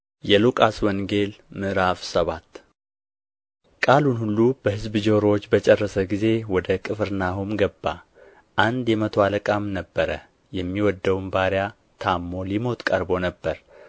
የሉቃስ ወንጌል ምዕራፍ ሰባት ቃሉን ሁሉ በሕዝብ ጆሮዎች በጨረሰ ጊዜ ወደ ቅፍርናሆም ገባ አንድ የመቶ አለቃም ነበረ የሚወደውም ባሪያው ታሞ ሊሞት ቀርቦ ነበር